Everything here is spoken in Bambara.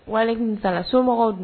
Wali tunsa somɔgɔw dun